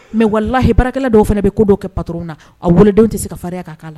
Mɛ walalahi baarakɛla dɔw fana bɛ ko dɔw kɛ patorw na a weeledenw tɛ se ka faririnya kan k'a la